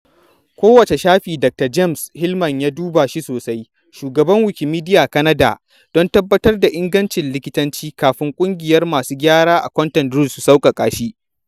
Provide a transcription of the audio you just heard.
Kowace shafi Dakta James Heilman ya duba shi sosai, shugaban Wikimedia Canada, don tabbatar da ingancin likitanci, kafin ƙungiyar masu gyara a Content Rules su sauƙaƙa shi.